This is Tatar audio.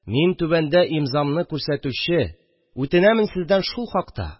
«мин, түбәндә имзамны күрсәтүче, үтенәмен сездән шул хакта...»